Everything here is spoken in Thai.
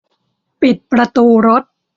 ปิดประตูรถ